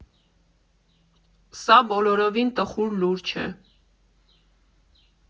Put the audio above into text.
Սա բոլորովին տխուր լուր չէ.